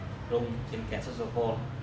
học rung trên kèn saxophone